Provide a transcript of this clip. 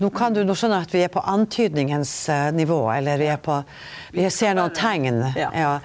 no kan du no skjønner eg at vi er på antydingas nivå eller vi er på vi ser nokon teikn ja.